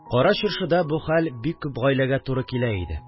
Кара Чыршыда бу хәл бик күп гаиләгә туры килә иде